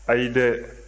ayi dɛ